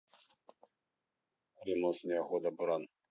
ремонт снегохода буран